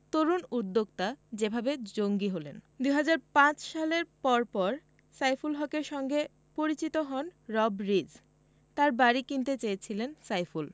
তরুণ উদ্যোক্তা যেভাবে জঙ্গি হলেন ২০০৫ সালের পরপর সাইফুল হকের সঙ্গে পরিচিত হন রব রিজ তাঁর বাড়ি কিনতে চেয়েছিলেন সাইফুল